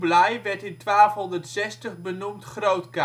werd in 1260 benoemd Grootkan. Japan